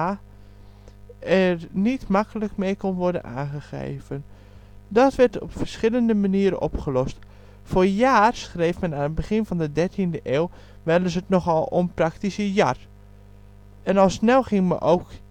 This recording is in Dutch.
lange klinkers (aa) er niet gemakkelijk mee kon worden aangegeven. Dat werd op verschillende manieren opgelost. Voor jaar schreef men aan begin van de dertiende eeuw wel eens het nogal onpraktische jar, en al snel ging men ook